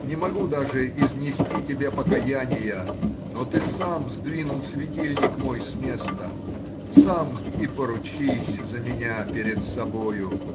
не могу даже изнести тебе покаяния, но ты сам сдвинул светильник мой с места, сам и поручись за меня перед собою!